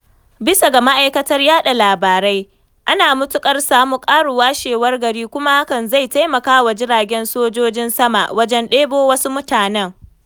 Bisa ga ma'aikatar yaɗa labarai, ana matuƙar samu ƙarin washewar gari kuma hakan zai taimaka wa jiragen sojojin sama wajen ɗebo wasu mutanen.